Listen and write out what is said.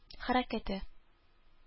Хәрәкәте